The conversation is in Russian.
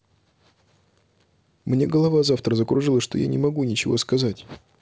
мне голова завтра закружила что я не могу ничего сказать